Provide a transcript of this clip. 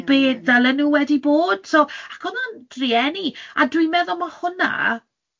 ...i be ddylai nhw wedi bod, so ac oedd o'n drueni, a dwi'n meddwl ma' hwnna.